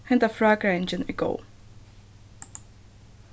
henda frágreiðingin er góð